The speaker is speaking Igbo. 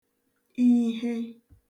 ihe